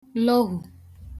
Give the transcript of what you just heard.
lọhù